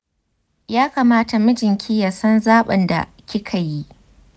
ya kamata mijinki ya san zaɓin da kika yi.